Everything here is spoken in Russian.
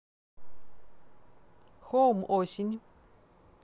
home осень